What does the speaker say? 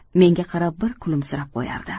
menga qarab bir kulimsirab qo'yardi